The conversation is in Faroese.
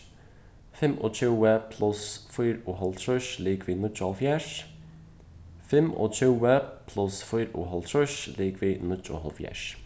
fimmogtjúgu pluss fýraoghálvtrýss ligvið níggjuoghálvfjerðs fimmogtjúgu pluss fýraoghálvtrýss ligvið níggjuoghálvfjerðs